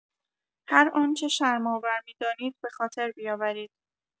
هرآنچه شرم‌آور می‌دانید به‌خاطر بیاورید.